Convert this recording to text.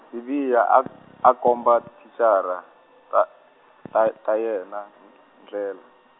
Sibiya a , a komba tichara ta , ta ta yena, n- ndlela.